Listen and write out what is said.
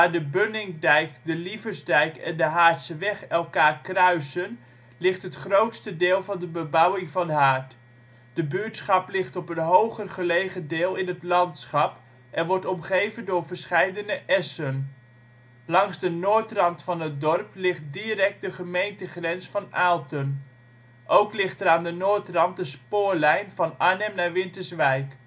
de Bunninkdijk, de Lieversdijk en de Haartseweg elkaar kruisen ligt het grootste deel van de bebouwing van Haart. De buurtschap ligt op een hoger gelegen deel in het landschap en wordt omgeven door verscheidene essen. Langs de noordrand van het dorp ligt direct de gemeentegrens van Aalten. Ook ligt er aan de noordrand de spoorlijn van Arnhem naar Winterswijk